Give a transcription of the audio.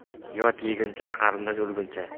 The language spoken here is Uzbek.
yot yeguncha qarindosh o'lguncha